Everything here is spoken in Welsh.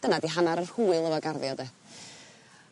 Dyna 'di hannar yr hwyl efo garddio 'de?